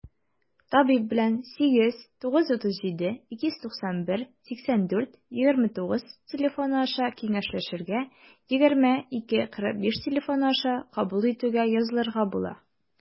Табиб белән 89372918429 телефоны аша киңәшләшергә, 20-2-45 телефоны аша кабул итүгә язылырга була.